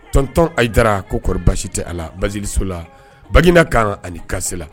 Tɔntɔn a dara ko kɔrɔ basi tɛ a la basizso la bagina kan ani kasi la